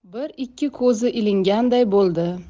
bir ikki ko'zi ilinganday bo'ldi